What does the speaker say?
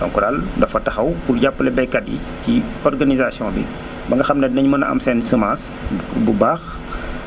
donc daal dafa taxaw pour jàppale baykat yi ci organisation bi ba nga xam ne dinañ mën a am seen i semence bu baax